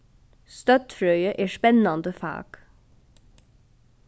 støddfrøði er spennandi fak